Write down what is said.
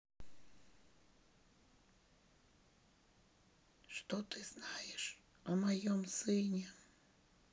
что ты знаешь о моем сыне